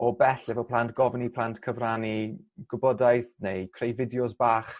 o bell efo plant gofyn i plant cyfrannu gwybodaeth neu creu fideos bach